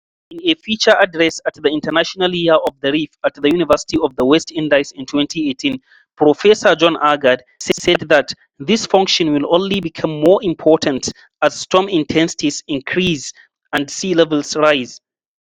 In a feature address at the International Year of the Reef at the University of the West Indies in 2018, Professor John Agard said that this function will only become more important as storm intensities increase and sea levels rise.